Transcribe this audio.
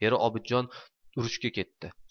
eri obidjon urushga ketdi